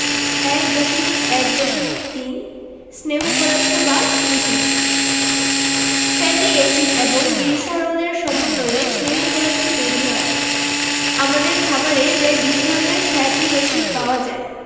১ দশমিক ১ দশমিক ৩ স্নেহ পদার্থ বা লিপিড ফ্যাটি এসিড এবং গ্লিসারলের সমন্বয়ে স্নেহ পদার্থ তৈরি হয় আমাদের খাবারে প্রায় ২০ ধরনের ফ্যাটি এসিড পাওয়া যায়